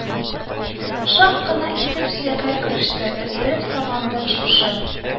Шак кына итеп сөяргә кереште: – өзелеп сагындым шушы